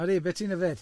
Ydi, be ti'n yfed?